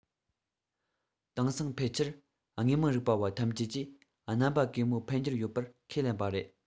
དེང སང ཕལ ཆེར དངོས མང རིག པ བ ཐམས ཅད ཀྱིས རྣམ པ གེ མོའི འཕེལ འགྱུར ཡོད པར ཁས ལེན པ རེད